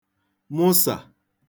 mụsà